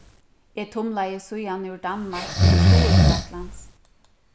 eg tumlaði síðani úr danmark til suðurfraklands